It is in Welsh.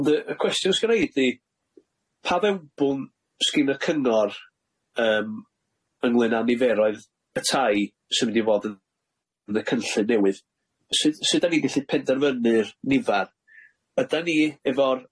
Ond y y cwestiwn sgenna i ydi pa fewnbwn sgin y cyngor yym ynglŷn â niferoedd y tai sy'n mynd i fodd yn yn y cynllun newydd sud sud dan ni'n gallu penderfynnu'r nifar ydan ni efo'r